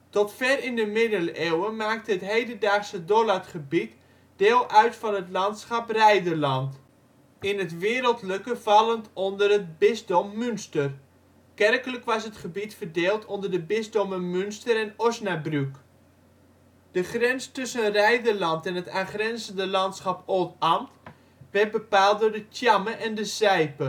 Tot ver in de middeleeuwen maakte het hedendaagse Dollardgebied deel uit van het landschap Reiderland, in het wereldlijke vallend onder het bisdom Münster. Kerkelijk was het gebied verdeeld onder de bisdommen Münster en Osnabrück. De grens tussen Reiderland en het aangrenzende landschap Oldambt werd bepaald door de Tjamme en de Zijpe